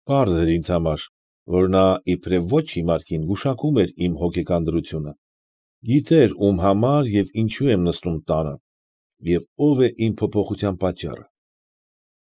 Պարզ էր ինձ համար, որ նա իբրև ոչ հիմար կին գուշակում էր իմ հոգեկան դրությունը, գիտեր ում համար և ինչու եմ նստում տանը, և ով է իմ փոփոխության պատճառը։